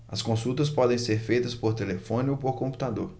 as consultas podem ser feitas por telefone ou por computador